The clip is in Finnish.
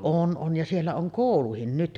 on on ja siellä on koulukin nyt